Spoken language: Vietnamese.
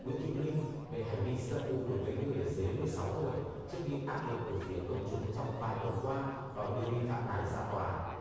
nguyễn hữu linh về hành vi dâm ô đối với người dưới mười sáu tuổi trước những áp lực từ phía công chúng trong vài tuần qua đòi đưa nghi phạm này ra tòa